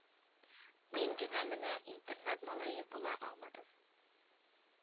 Мин генә менә интернат малае була алмадым.